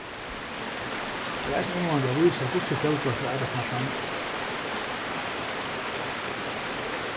tað er eisini umráðandi at vísa hvussu fjølbroyttur arbeiðsmarknaðurin er